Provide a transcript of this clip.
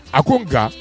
A ko nka